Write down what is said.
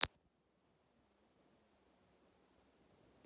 чем заняться мне